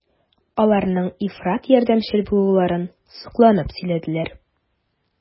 Аларның ифрат ярдәмчел булуларын сокланып сөйләделәр.